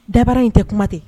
Dabra in tɛ kuma tɛ